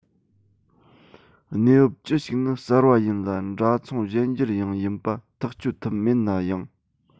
གནས བབ ཅི ཞིག ནི གསར པ ཡིན ལ འདྲ མཚུངས གཞན འགྱུར ཡང ཡིན པ ཐག གཅོད ཐབས མེད ན ཡང